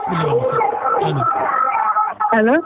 allo